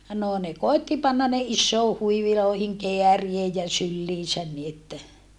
no ne koetti panna ne isoihin huiveihin kääriä ja syliinsä niin että